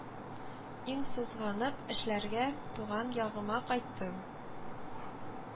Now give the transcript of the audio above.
Иң сызганып эшләргә туган ягыма кайттым